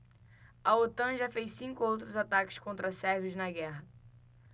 a otan já fez cinco outros ataques contra sérvios na guerra